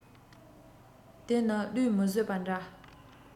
དེ ནི བློས མི བཟོད པ འདྲ